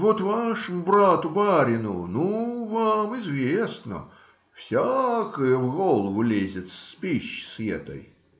Вот вашему брату, барину, ну, вам, известно, всякое в голову лезет с пищи с этой.